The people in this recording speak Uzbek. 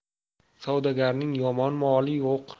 savdogarning yomon moli yo'q